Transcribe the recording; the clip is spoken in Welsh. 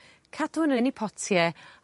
cadw n'w yn 'u potie